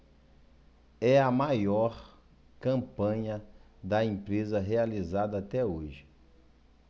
é a maior campanha da empresa realizada até hoje